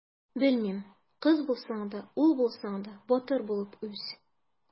Белмим: кыз булсаң да, ул булсаң да, батыр булып үс!